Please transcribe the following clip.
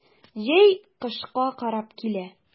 Җәй кышка карап килә.